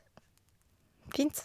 Fint.